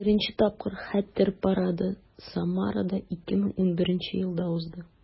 Беренче тапкыр Хәтер парады Самарада 2011 елда узды.